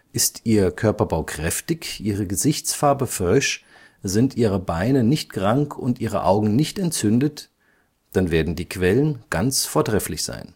Ist ihr Körperbau kräftig, ihre Gesichtsfarbe frisch, sind ihre Beine nicht krank und ihre Augen nicht entzündet, dann werden die Quellen ganz vortrefflich sein